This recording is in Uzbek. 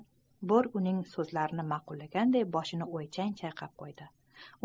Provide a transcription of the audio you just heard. bork uning so'zlarini maqullaganday boshini o'ychan chayqab qo'ydi